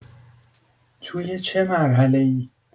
توی چه مرحله‌ای؟